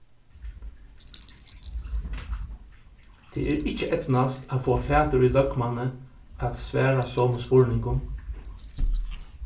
tað er ikki eydnast at fáa fatur í løgmanni at svara somu spurningum